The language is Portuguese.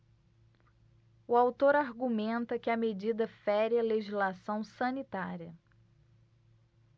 o autor argumenta que a medida fere a legislação sanitária